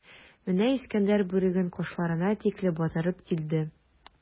Менә Искәндәр бүреген кашларына тикле батырып киде.